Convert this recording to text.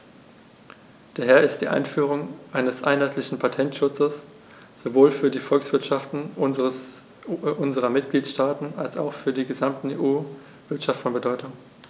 Daher ist die Einführung eines einheitlichen Patentschutzes sowohl für die Volkswirtschaften unserer Mitgliedstaaten als auch für die gesamte EU-Wirtschaft von Bedeutung.